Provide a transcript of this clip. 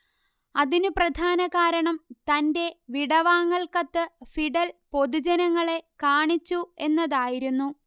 അതിനു പ്രധാനകാരണം തന്റെ വിടവാങ്ങൽ കത്ത് ഫിഡൽ പൊതുജനങ്ങളെ കാണിച്ചു എന്നതായിരുന്നു